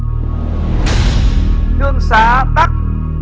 thương xá đắc